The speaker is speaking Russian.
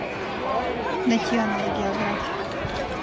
натионал географик